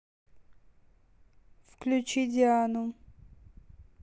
включи диану